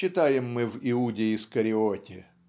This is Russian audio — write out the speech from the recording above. читаем мы в "Иуде Искариоте"